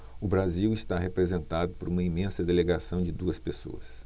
o brasil está representado por uma imensa delegação de duas pessoas